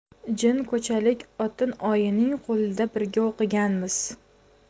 jinko'chalik otin oyining qo'lida birga o'qiganmiz